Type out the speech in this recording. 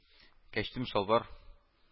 – кәчтүм-чалбар